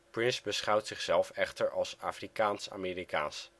Prince beschouwt zichzelf echter als Afrikaans-Amerikaans